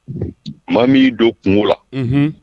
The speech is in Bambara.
Maa min'i don kungo la